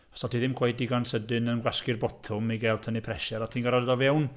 Os o't ti ddim cweit digon sydyn yn gwasgu'r botwm i gael tynnu'r pressure o't ti'n gorfod rhoid o fewn.